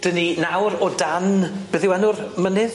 'Dyn ni nawr o dan beth yw enw'r mynydd?